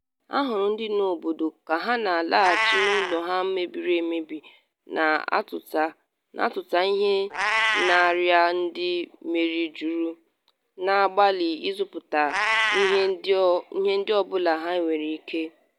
Ahụrụ ndị bi n’obodo ka ha na-alaghachi n’ụlọ ha mebiri emebi, na-atụta ihe n’arịa ndị mmiri juru, na-agbalị ịzọpụta ihe ndị ọ bụla ha nwere ike.